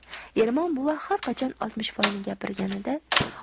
ermon buva har qachon oltmishvoyni gapirganida